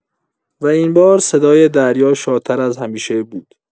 و این بار، صدای دریا شادتر از همیشه بود.